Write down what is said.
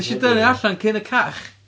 Wnes i dynnu allan cyn y cach.